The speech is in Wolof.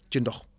ci ndox